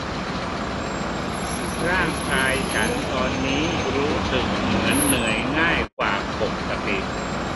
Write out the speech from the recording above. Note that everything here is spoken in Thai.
ร่างกายฉันตอนนี้รู้สึกเหมือนเหนื่อยง่ายกว่าปกติ